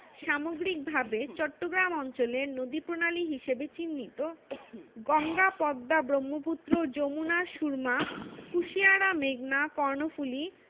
সামগ্রিকভাবে চট্টগ্রাম অঞ্চলের নদীপ্রণালী হিসেবে চিহ্নিত গঙ্গা পদ্মা ব্রহ্মপুত্র যমুনা সুরমা কুশিয়ারা মেঘনা কর্ণফুলি